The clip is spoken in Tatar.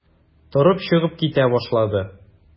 Торып чыгып китә башлады.